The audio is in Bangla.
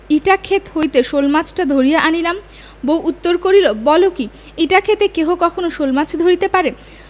ইটা ক্ষেত হইতে শােলমাছটা ধরিয়া আনিলাম বউ উত্তর করিল বল কি ইটা ক্ষেতে কেহ কখনো শোলমাছ ধরিতে পারে